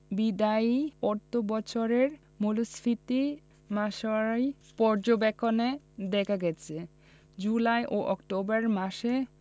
বিদায়ী অর্থবছরের মূল্যস্ফীতির মাসওয়ারি পর্যবেক্ষণে দেখা গেছে জুলাই ও অক্টোবর মাসে